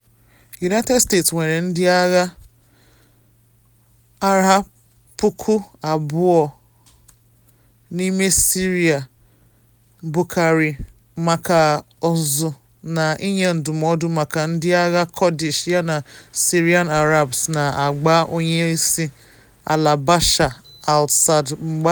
United States nwere ndị agha 2,000 n’ime Syria, bụkarị maka ọzụzụ na ịnye ndụmọdụ maka ndị agha Kurdish yana Syrian Arabs na agba Onye Isi Ala Bashar al-Assad mgba.